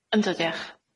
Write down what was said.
Yndw diolch.